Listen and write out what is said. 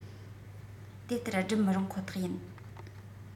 དེ ལྟར བསྒྲུབ མི རུང ཁོ ཐག ཡིན